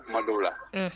O ma don la